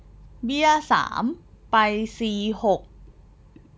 เบี้ยสามไปซีหก